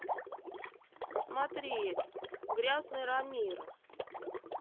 смотреть грязный рамирес